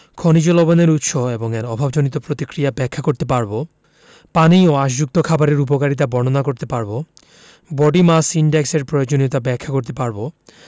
খনিজ লবণের উৎস এবং এর অভাবজনিত প্রতিক্রিয়া ব্যাখ্যা করতে পারব পানি ও আশযুক্ত খাবারের উপকারিতা বর্ণনা করতে পারব বডি মাস ইনডেক্স এর প্রয়োজনীয়তা ব্যাখ্যা করতে পারব